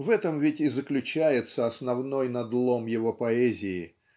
В этом ведь и заключается основной надлом его поэзии,